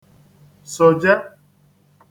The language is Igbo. sòje